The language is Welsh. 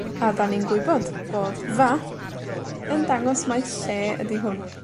A 'dan ni'n gwybod bod fa yn dangos mai lle ydi hwn.